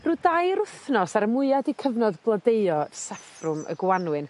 Rhyw dair wthnos ar y mwya 'di cyfnod blodeuo saffrwm y Gwanwyn